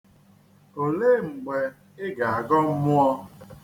Olee mgbe ị ga-agọ mmụọ?